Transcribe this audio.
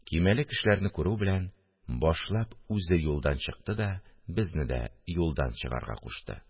Көймәле кешеләрне күрү белән, башлап үзе юлдан чыкты да безне дә юлдан чыгарга кушты